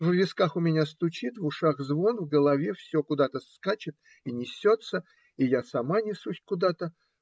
В висках у меня стучит, в ушах звон, в голове все куда-то скачет и несется, и я сама несусь куда-то.